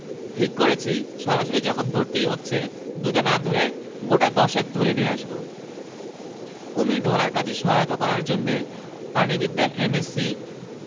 ঠিক করেছি সরাসরি যখন ধরতেই হচ্ছে দুটা না ধরে গােটা দশেক ধরে নিয়ে আসব কুমির ধরার কাজে সহায়তা করার জন্যে প্রাণীবিদ্যায় এম এস সি